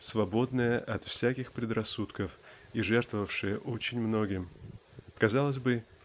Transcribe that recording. свободные от всяких предрассудков и жертвовавшие очень многим. Казалось бы